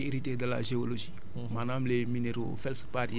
partie minérale boobu mooy tout ce qui est hérité de la géologie